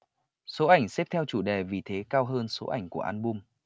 số ảnh xếp theo chủ đề vì thế cao hơn số ảnh của album